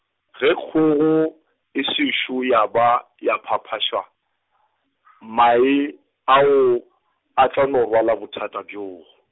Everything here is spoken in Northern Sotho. ge kgogo, e sešo ya ba, ya phaphaša , mae ao , a tla no rwala bothata bjoo .